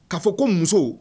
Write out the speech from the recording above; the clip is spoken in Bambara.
K'a fɔ ko muso